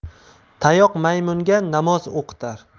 tayoq maymunga namoz o'qitar